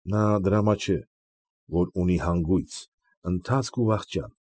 Նա դրամա չէ, որ ունի հանգույց, ընթացք ու վախճան։